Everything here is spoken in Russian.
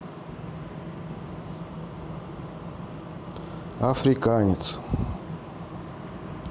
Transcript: африканец